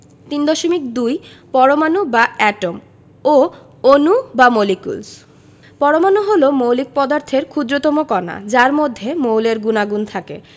3.2 পরমাণু বা এটম ও অণু বা মলিকিউলস পরমাণু হলো মৌলিক পদার্থের ক্ষুদ্রতম কণা যার মধ্যে মৌলের গুণাগুণ থাকে